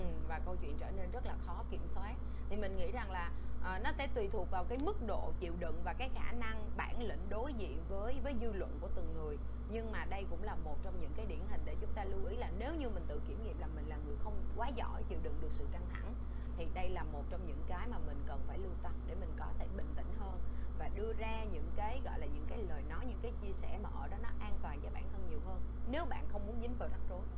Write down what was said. ừm và câu chuyện trở nên rất là khó kiểm soát thì mình nghĩ rằng là ờ nó sẽ tùy thuộc vào mức độ chịu đựng và cái khả năng bản lĩnh đối diện với với dư luận của từng người nhưng mà đây cũng là một trong những cái điển hình để chúng ta lưu ý là nếu như mình tự kiểm nghiệm là mình là người không quá giỏi chịu đựng được sự căng thẳng thì đây là một trong những cái mà mình cần phải lưu tâm để mình có thể bình tĩnh hơn và đưa ra những cái gọi là những cái lời nói những cái chia sẻ mà ở đó nó an toàn cho bản thân nhiều hơn nếu bạn không muốn dính vào rắc rối